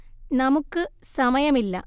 നമുക്ക് സമയമില്ല